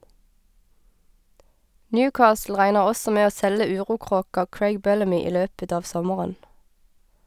Newcastle regner også med å selge urokråka Craig Bellamy i løpet av sommeren.